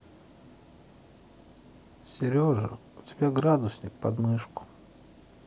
сережа у тебя градусник подмышку